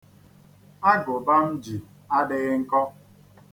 Agụba m ji adịghị nkọ.